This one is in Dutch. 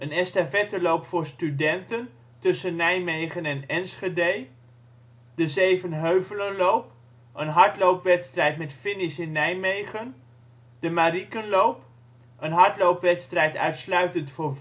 estafetteloop voor studenten, tussen Nijmegen en Enschede) Zevenheuvelenloop (hardloopwedstrijd met finish in Nijmegen) Marikenloop (hardloopwedstrijd, uitsluitend voor